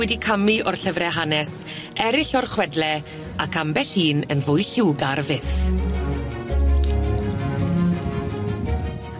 wedi camu o'r llyfre hanes, eryll o'r chwedle, ac ambell un yn fwy lliwgar fyth.